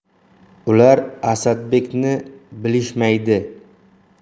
ular asadbekni bilishmaydi